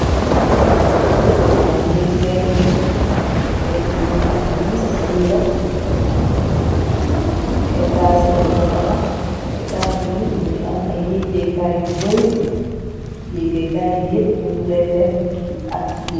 Yaa ngi seen kerr ker bi mu ngi am wiis ci biiram etas lañ ko tabax etas bi bu ngi am ay yéggékaay yu bari yéggékaay yi yépp ñyungleen def ak wit.